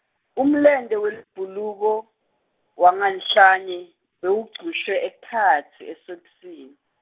umlente welibhuluko, wanganhlanye, bewugcushwe ekhatsi esokisini.